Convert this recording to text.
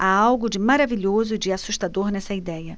há algo de maravilhoso e de assustador nessa idéia